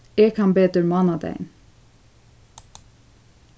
eg kann betur mánadagin